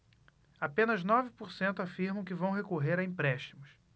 apenas nove por cento afirmam que vão recorrer a empréstimos